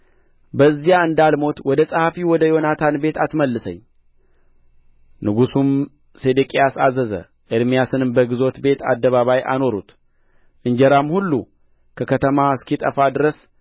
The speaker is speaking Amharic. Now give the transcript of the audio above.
በዚያ እንዳልሞት ወደ ጸሐፊው ወደ ዮናታን ቤት አትመልሰኝ ንጉሡም ሴዴቅያስ አዘዘ ኤርምያስንም በግዞት ቤት አደባባይ አኖሩት እንጀራም ሁሉ ከከተማ እስኪጠፋ ድረስ